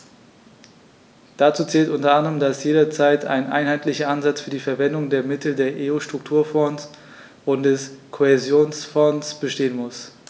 Dazu zählt u. a., dass jederzeit ein einheitlicher Ansatz für die Verwendung der Mittel der EU-Strukturfonds und des Kohäsionsfonds bestehen muss.